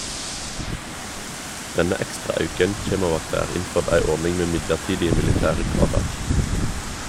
Denne ekstra auken kjem av at det er innførd ei ordning med midlertidige militære gradar.